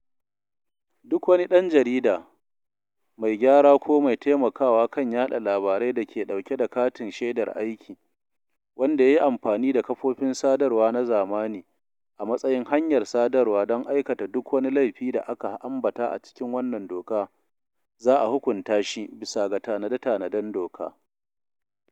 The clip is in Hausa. Duk wani ɗan jarida, mai gyara ko mai taimakawa kan yaɗa labarai dake ɗauke da katin shedar aiki, wanda ya yi amfani da kafofin sadarwa na zamani a matsayin hanyar sadarwa don aikata duk wani laifi da aka ambata a cikin wannan doka, za a hukunta shi bisa ga tanade-tanaden doka.